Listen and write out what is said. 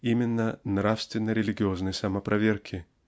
именно -- нравственно-религиозной самопроверки?